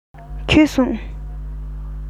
མཆོད སོང